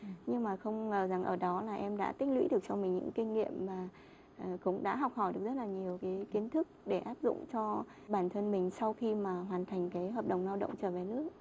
nhưng mà không ngờ rằng ở đó là em đã tích lũy được cho mình những kinh nghiệm mà cũng đã học hỏi được rất là nhiều cái kiến thức để áp dụng cho bản thân mình sau khi mà hoàn thành cái hợp đồng lao động trở về nước